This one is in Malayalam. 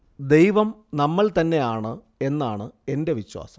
ദൈവം നമ്മൾ തന്നെയാണ് എന്നാണ് എന്റെ വിശ്വാസം